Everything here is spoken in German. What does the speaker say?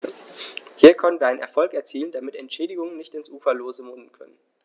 Hier konnten wir einen Erfolg erzielen, damit Entschädigungen nicht ins Uferlose münden können.